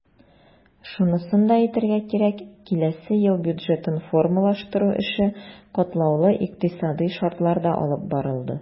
Шунысын да әйтергә кирәк, киләсе ел бюджетын формалаштыру эше катлаулы икътисадый шартларда алып барылды.